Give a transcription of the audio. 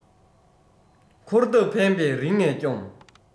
འཁོར འདབས ཕན པས རིང ནས སྐྱོང